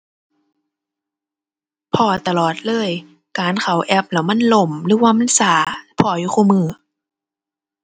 พ้อตลอดเลย การเข้าแอปแล้วมันล่มหรือว่ามันช้า พ้ออยู่คุมื้อ